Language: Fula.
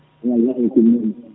wallay komin